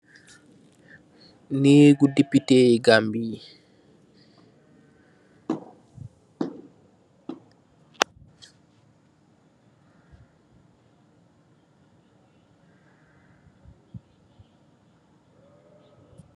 Neegi deputey Gambie.